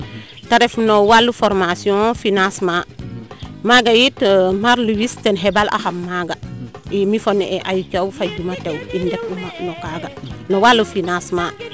te ref no walu formation financement maaga yit Marie Louise ten xebal a xam maaga i mi fo ne'e Ayou Thiaw fo Diouma tew in ndet u ma no kaaga no walu financement